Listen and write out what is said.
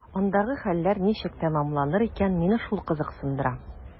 Андагы хәлләр ничек тәмамланыр икән – мине шул кызыксындыра.